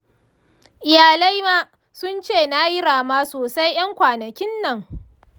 iyalai ma sunce nayi rama sosai ƴan kwanakin nan